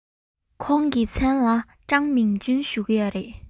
ཁོང གི མཚན ལ ཀྲང མིང ཅུན ཞུ གི ཡོད རེད